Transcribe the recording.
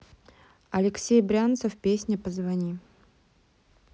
алексей брянцев песня позвони